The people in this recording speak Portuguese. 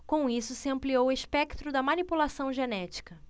com isso se ampliou o espectro da manipulação genética